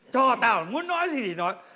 cho tào muốn nói gì thì nói